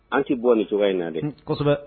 An tɛ bɔ ni cogoya in na dɛ